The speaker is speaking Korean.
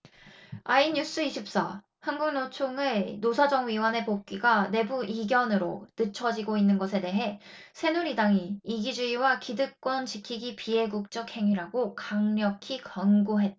아이뉴스 이십 사 한국노총의 노사정위원회 복귀가 내부 이견으로 늦춰지고 있는 것에 대해 새누리당이 이기주의와 기득권 지키기 비애국적 행위라고 강력히 경고했다